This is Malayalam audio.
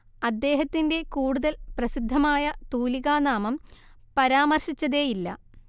അദ്ദേഹത്തിന്റെ കൂടുതൽ പ്രസിദ്ധമായ തൂലികാനാമം പരാമർശിച്ചതേയില്ല